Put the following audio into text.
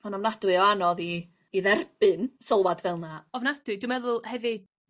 ma'n ofnadwy o anodd i i dderbyn sylwad fel 'na. Ofnadwy dwi meddwl hefyd